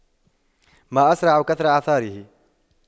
من أسرع كثر عثاره